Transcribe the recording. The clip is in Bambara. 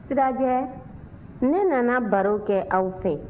sirajɛ ne nana baro kɛ aw fɛ